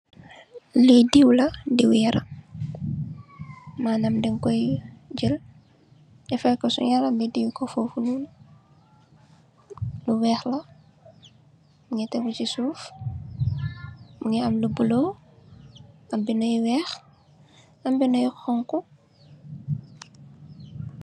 Li diiw la, diiw yaram, manam den koy jël defè ko ci yaram bi diiw ko fofunoon, lu weeh la mungi tégu ci suuf, mungi am lu bulo ak binda yu weeh, am binda yu honku.